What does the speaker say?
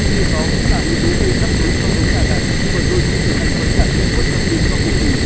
tuy nhiên đó cũng là yếu tố gây rắc rối cho giống gà này bởi đôi khi trở thành vật cản che khuất tầm nhìn cho khổ chủ